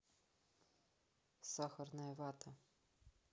сахарная вата